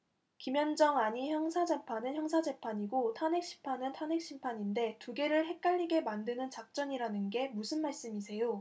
김현정 아니 형사재판은 형사재판이고 탄핵심판은 탄핵심판인데 두 개를 헷갈리게 만드는 작전이라는 게 무슨 말씀이세요